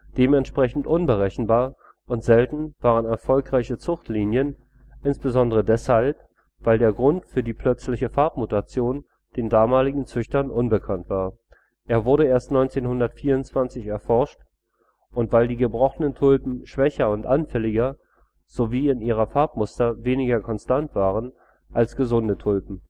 Dementsprechend unberechenbar und selten waren erfolgreiche Zuchtlinien, insbesondere deshalb, weil der Grund für die plötzliche Farbmutation den damaligen Züchtern unbekannt war – er wurde erst 1924 erforscht – und weil die gebrochenen Tulpen schwächer und anfälliger sowie in ihrem Farbmuster weniger konstant waren als gesunde Tulpen